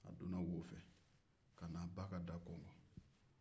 ka na a ba ka da kɔnkɔn